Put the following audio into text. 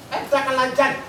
Asakalalanjan